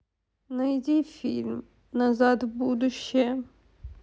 найди фильм назад в будущее